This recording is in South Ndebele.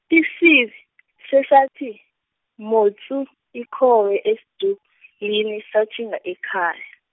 isizi , sesalithi, motsu, ikhowe esidulini satjhinga ekhaya.